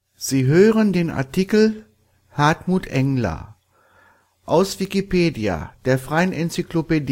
Sie hören den Artikel Hartmut Engler, aus Wikipedia, der freien Enzyklopädie